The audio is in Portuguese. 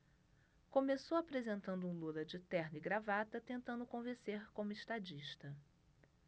começou apresentando um lula de terno e gravata tentando convencer como estadista